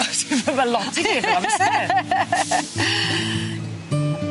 O ti'n ma' fe lot i feddwl am myn' ma' lot i neud o amser.